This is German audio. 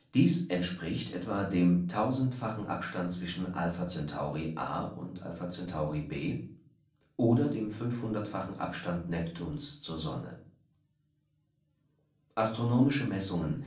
Das entspricht etwa dem 1000-fachen Abstand zwischen Alpha Centauri A und Alpha Centauri B oder dem fünfhundertfachen Abstand Neptuns zur Sonne. Datei:Proxima Centari.jpg Darstellung von Proxima Centauri in Celestia Astrometrische Messungen